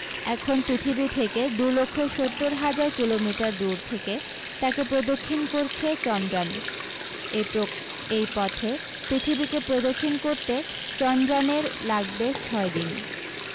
এখন পৃথিবী থেকে দু লক্ষ সত্তর হাজার কিলোমিটার দূর থেকে তাকে প্রদক্ষিণ করছে চন্দ্র্যান এই পথে পৃথিবীকে প্রদক্ষিণ করতে চন্দ্র্যানের লাগবে ছয় দিন